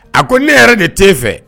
A ko ne yɛrɛ de tɛ fɛ